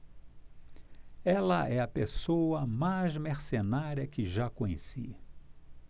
ela é a pessoa mais mercenária que já conheci